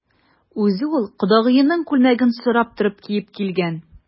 Үзе ул кодагыеның күлмәген сорап торып киеп килгән.